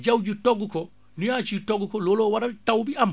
jaww ji togg ko nuage yi togg ko looloo waral taw bi am